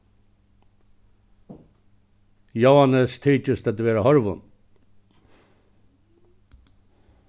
jóannes tykist at vera horvin